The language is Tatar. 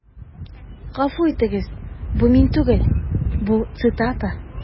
Гафу итегез, бу мин түгел, бу цитата.